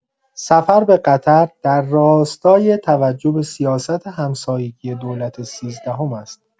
سفر به قطر در راستای توجه به سیاست همسایگی دولت سیزدهم است.